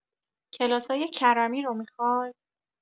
کلاسای کرمی رو میخوای؟